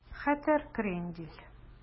Хәтәр крендель